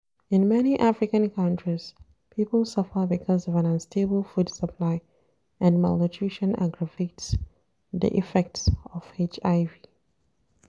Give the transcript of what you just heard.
In many African countries people suffer because of an unstable food supply, and malnutrition aggravates the effects of HIV.